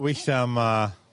weithia' ma'